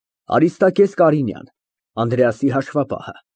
ԱՐԻՍՏԱԿԵՍ ԿԱՐԻՆՅԱՆ ֊ Անդրեասի հաշվապահը։